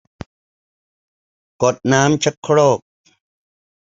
กดน้ำชักโครก